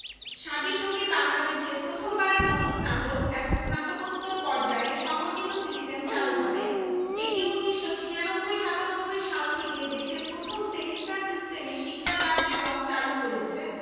শিক্ষার্থীরা বিভিন্ন ধরনের এক্সটা কারিকুলাম এবং কো কারিকুলাম কার্যক্রমরে সঙ্গে যুক্ত শিক্ষার্থীরা বেশ কয়েকটি সামাজিক এবং সাংস্কৃতিক সংগঠন গঠন করেছে যা